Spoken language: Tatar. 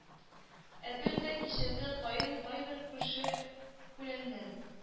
Әбер дә кичерде каен кайбер күрше-күләннән